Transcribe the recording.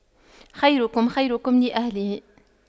خيركم خيركم لأهله